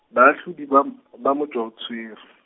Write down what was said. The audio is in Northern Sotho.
baahlodi bam-, ba motšwaoswere.